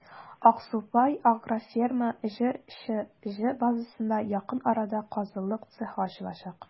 «аксубай» аф» җчҗ базасында якын арада казылык цехы ачылачак.